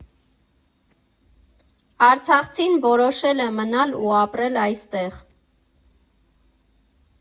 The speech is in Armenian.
Արցախցին որոշել է մնալ ու ապրել այստեղ։